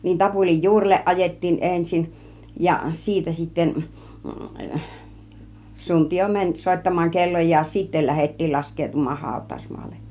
niin tapulin juurelle ajettiin ensin ja siitä sitten suntio meni soittamaan kellojaan sitten lähdettiin laskeutumaan hautausmaalle